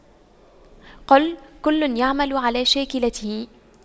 قُل كُلٌّ يَعمَلُ عَلَى شَاكِلَتِهِ